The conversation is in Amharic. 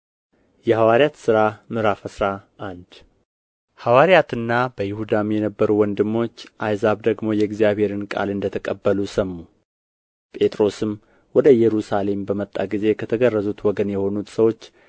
የሐዋርያት ሥራ ምዕራፍ አስራ አንድ ሐዋርያትና በይሁዳም የነበሩት ወንድሞች አሕዛብ ደግሞ የእግዚአብሔርን ቃል እንደ ተቀበሉ ሰሙ ጴጥሮስም ወደ ኢየሩሳሌም በወጣ ጊዜ ከተገረዙት ወገን የሆኑት ሰዎች